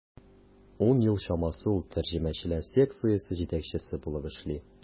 Ун ел чамасы ул тәрҗемәчеләр секциясе җитәкчесе булып эшли.